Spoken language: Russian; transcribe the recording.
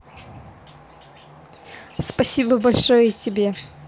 спасибо большое и тебе